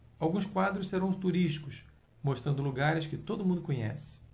alguns quadros serão turísticos mostrando lugares que todo mundo conhece